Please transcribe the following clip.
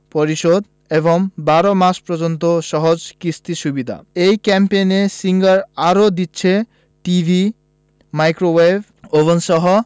পরিশোধ এবং ১২ মাস পর্যন্ত সহজ কিস্তি সুবিধা এই ক্যাম্পেইনে সিঙ্গার আরো দিচ্ছে টিভি মাইক্রোওয়েভ ওভেনসহ